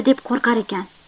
deb qo'rqar ekan